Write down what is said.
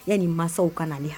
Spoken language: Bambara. Ne nin mansaw ka na ni